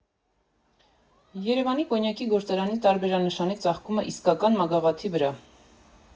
Երևանի կոնյակի գործարանի տարբերանշանի ծաղկումը իսկական մագաղաթի վրա։